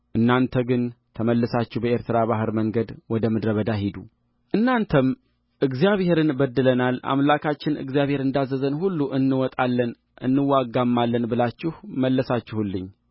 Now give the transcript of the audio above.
እናንተ ግን ተመልሳችሁ በኤርትራ ባሕር መንገድ ወደ ምድረ በዳ ሂዱእናንተም እግዚአብሔርን በድለናል አምላካችን እግዚአብሔር እንዳዘዘን ሁሉ እንወጣለን እንዋጋማለን ብላችሁ መለሳችሁልኝ